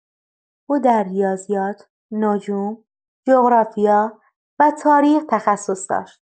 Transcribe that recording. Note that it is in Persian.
او در ریاضیات، نجوم، جغرافیا و تاریخ تخصص داشت.